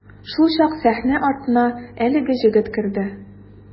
Шулчак сәхнә артына әлеге җегет керде.